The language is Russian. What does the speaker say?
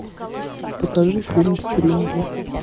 покажи фильм стрингер